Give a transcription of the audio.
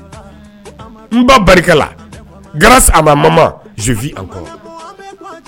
N ba barika la ga a mama zfin an kɔrɔ